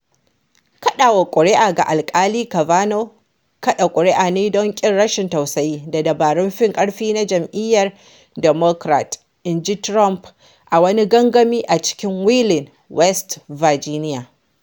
“Kaɗawa ƙuri’a ga Alkali Kavanaugh kaɗa ƙuri’a ne don ƙin rashin tausayi da dabarun fin ƙarfi na Jam’iyyar Democrat,” inji Trump a wani gangami a cikin Wheeling, West Virginia.